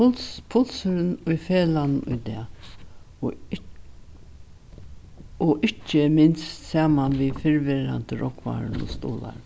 puls pulsurin í felagnum í dag og ikki minst saman við fyrrverandi rógvarum og stuðlarum